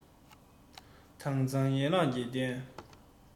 དྭངས གཙང ཡན ལག བརྒྱད ལྡན